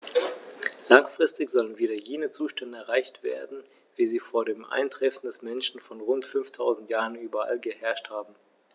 Langfristig sollen wieder jene Zustände erreicht werden, wie sie vor dem Eintreffen des Menschen vor rund 5000 Jahren überall geherrscht haben.